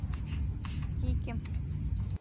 стики